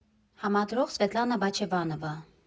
Համադրող՝ Սվետլանա Բաչևանովա։